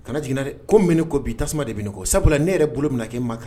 Kana jigin ko ko bi tasuma de bɛ sabula ne yɛrɛ bolo bɛna'